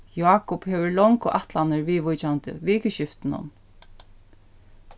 jákup hevur longu ætlanir viðvíkjandi vikuskiftinum